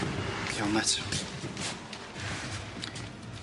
Iawn mêt?